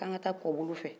ko an ka taa kɔbolo fɛ